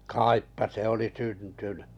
kaipa se oli syntynyt